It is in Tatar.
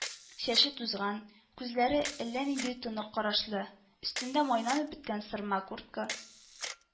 Чәче тузган, күзләре әллә нинди тонык карашлы, өстендә майланып беткән сырма куртка